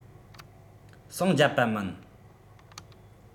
ཟིང རྒྱབ པ མིན